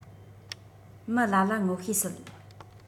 མི ལ ལ ངོ ཤེས སྲིད